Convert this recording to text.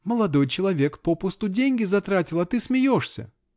-- Молодой человек попусту деньги затратил, а ты смеешься!